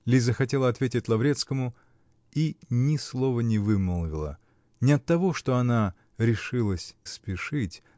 Лиза хотела ответить Лаврецкому -- и ни слова не вымолвила, не оттого, что она решилась "спешить"